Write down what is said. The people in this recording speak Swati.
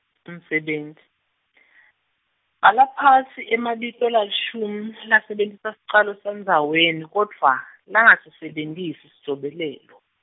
umsebenti, bhala phasi emabito lalishumi, lasebentisa sicalo sandzaweni, kodvwa, langasisebentisi sijobelelo.